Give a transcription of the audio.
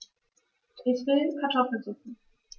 Ich will Kartoffelsuppe.